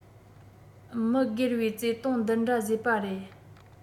མི སྒེར བའི བརྩེ དུང འདི འདྲ བཟོས པ རེད